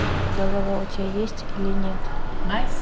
голова у тебя есть или нет